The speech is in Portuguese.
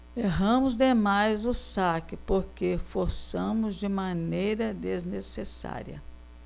erramos demais o saque porque forçamos de maneira desnecessária